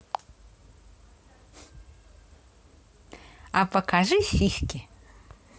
а покажи сиськи